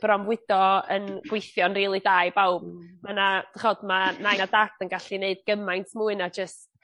bronfwydo yn gweithio yn rili da i bawb. Hmm. Ma' 'na d'chod ma nain a dad yn gallu neud gymaint mwy na jys